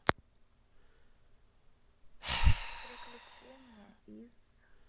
приключения из